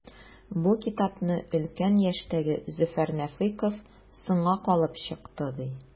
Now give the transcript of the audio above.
Бу китапны өлкән яшьтәге Зөфәр Нәфыйков “соңга калып” чыкты, ди.